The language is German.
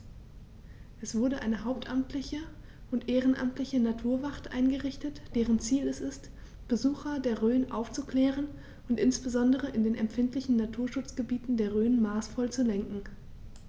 Es wurde eine hauptamtliche und ehrenamtliche Naturwacht eingerichtet, deren Ziel es ist, Besucher der Rhön aufzuklären und insbesondere in den empfindlichen Naturschutzgebieten der Rhön maßvoll zu lenken.